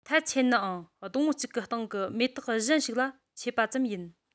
ཐལ ཆེ ནའང སྡོང བོ གཅིག གི སྟེང གི མེ ཏོག གཞན ཞིག ལ མཆེད པ ཙམ ཡིན